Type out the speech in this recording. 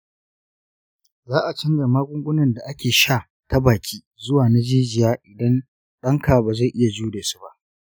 za a canza magungunan da ake sha ta baki zuwa na jijiya idan danka ba zai iya jure su ba.